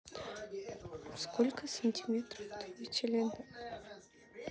сколько сантиметров твой член